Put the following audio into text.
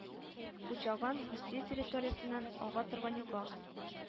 Кучаган Русия территориясеннән ага торган елга